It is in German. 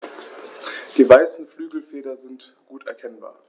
Die weißen Flügelfelder sind gut erkennbar.